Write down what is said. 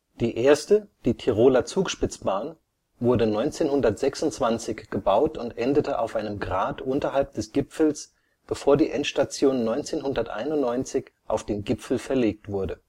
Die erste, die Tiroler Zugspitzbahn, wurde 1926 gebaut und endete auf einem Grat unterhalb des Gipfels, bevor die Endstation 1991 auf den Gipfel verlegt wurde